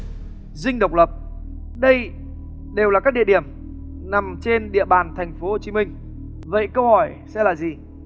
dinh độc lập đây đều là các địa điểm nằm trên địa bàn thành phố hồ chí minh vậy câu hỏi sẽ là gì